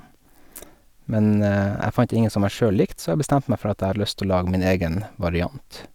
Men jeg fant ingen som jeg sjøl likte, så jeg bestemte meg for at jeg hadde lyst til å lage min egen variant.